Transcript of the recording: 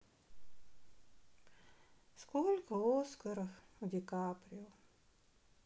сколько оскаров у дикаприо